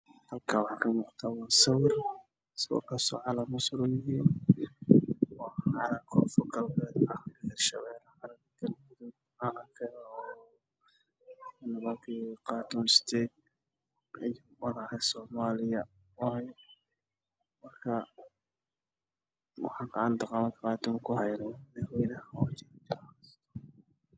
Meeshan waxaa ka magaca calama aada u fara badan